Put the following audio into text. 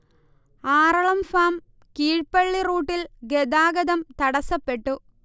Aralam farm Keezhpally റുട്ടിൽ ഗതാഗതം തടസ്സപ്പെട്ടു